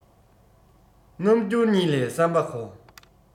རྣམ འགྱུར ཉིད ལས བསམ པ གོ